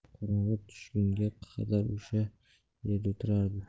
qorong'i tushgunga qadar o'sha yerda o'tirardi